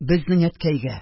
Безнең әткәйгә